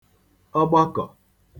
ọgbakọ̀